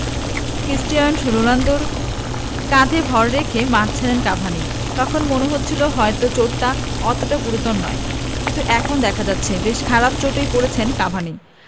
Cristiano রোনালদোর কাঁধে ভর রেখে মাঠ ছাড়েন কাভানি তখন মনে হচ্ছিল হয়তো চোটটা অতটা গুরুতর নয় কিন্তু এখন দেখা যাচ্ছে বেশ খারাপ চোটেই পড়েছেন কাভানি